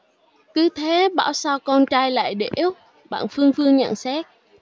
cứ thế bảo sao con trai lại đểu bạn phương phương nhận xét